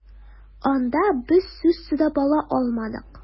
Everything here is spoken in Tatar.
Анда без сүз сорап ала алмадык.